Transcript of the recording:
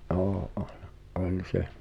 - oli oli se